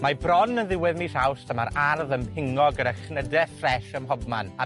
Mae bron yn ddiwedd mis Awst a ma'r ardd yn pingo gyda chnyde ffres ym mhobman a